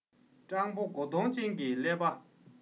སྤྱང པོ མགོ སྟོང ཅན གྱི ཀླད པ